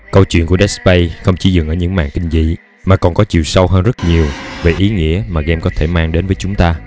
câu chuyện của dead space không chỉ dừng ở những màn kinh dị mà còn có chiều sâu hơn rất nhiều về ý nghĩa mà game có thể mang đến với chúng ta